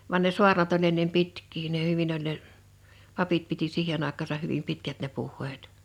vaan ne saarnat oli ennen pitkiä ne hyvin oli ne papit piti siihen aikaansa hyvin pitkät ne puheet